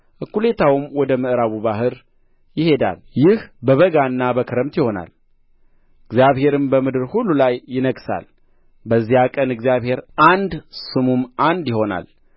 እኵሌታውም ወደ ምዕራቡ ባሕር ይሄዳል ይህ በበጋና በክረምት ይሆናል እግዚአብሔርም በምድር ሁሉ ላይ ይነግሣል በዚያ ቀን እግዚአብሔር አንድ ስሙም አንድ ይሆናል